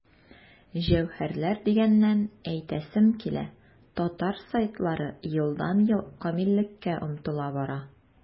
Җәүһәрләр дигәннән, әйтәсем килә, татар сайтлары елдан-ел камиллеккә омтыла бара.